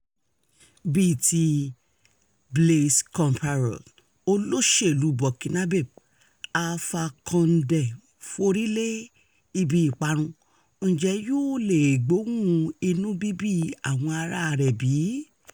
Bíi ti Blaise Compaoré [olóṣèlúu Burkinabé] Alpha Condé ń forí lé ibi ìparun, ǹjẹ́ yó leè gbóhùn inúbíbí àwọn aráa rẹ̀ bí?